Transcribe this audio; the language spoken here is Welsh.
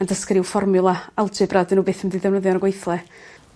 na dysgu ryw fformiwla algebra 'dyn n'w byth mynd i defnyddio'n y gweithle.